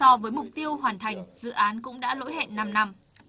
so với mục tiêu hoàn thành dự án cũng đã lỗi hẹn năm năm